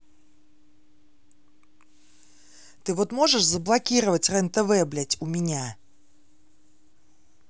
ты вот можешь заблокировать рен тв блядь у меня